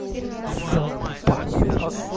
залупа